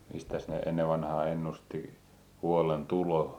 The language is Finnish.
mistäs ne ennen vanhaan ennusti vuoden tuloa